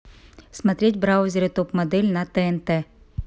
смотреть в браузере топ модель на тнт